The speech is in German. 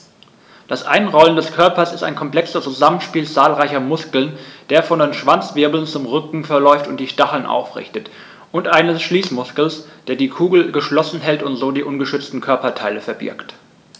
Das Einrollen des Körpers ist ein komplexes Zusammenspiel zahlreicher Muskeln, der von den Schwanzwirbeln zum Rücken verläuft und die Stacheln aufrichtet, und eines Schließmuskels, der die Kugel geschlossen hält und so die ungeschützten Körperteile verbirgt.